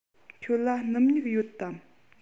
ཁྱོད ལ སྣུམ སྨྱུག ཡོད དམ